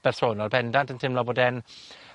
bersonol bendant yn timlo bod e'n